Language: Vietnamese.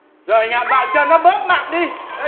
rồi ngậm vào cho nó bớt mặn đi